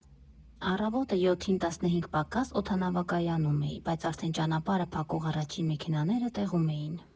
Առավոտը յոթին տասնհինգ պակաս օդանավակայանում էի, բայց արդեն ճանապարհը փակող առաջին մեքենաները տեղում էին։